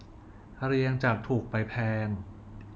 เรียงจากถูกไปแพง